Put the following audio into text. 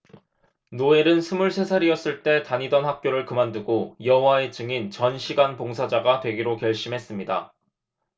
노엘은 스물세 살이었을 때 다니던 학교를 그만두고 여호와의 증인 전 시간 봉사자가 되기로 결심했습니다